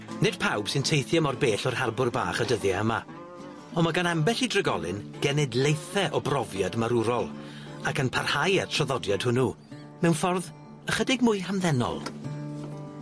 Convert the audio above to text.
Nid pawb sy'n teithio mor bell o'r harbwr bach y dyddie yma, on' ma' gan ambell i drigolyn genedlaethe o brofiad marwrol ac yn parhau â'r traddodiad hwnnw, mewn ffordd ychydig mwy hamddenol.